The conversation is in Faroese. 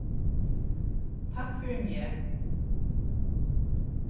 takk fyri meg